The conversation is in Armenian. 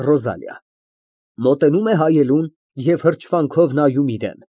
ՌՈԶԱԼԻԱ ֊ (Մոտենում է հայելուն և հրճվանքով նայում իրան։